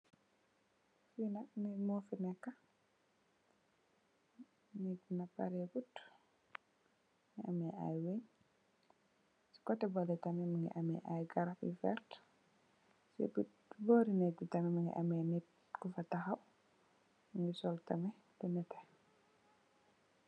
Lii nak nehgg mofi neka, nehgg bii nak pareh ngut, mungy ameh aiiy weungh, cii coteh behleh tamit mungy ameh aiiy garab yu vertue, cii boh, bohri nehgg bii tamit mungy ameh nitt kufa takhaw, mungy sol tamit lu nehteh.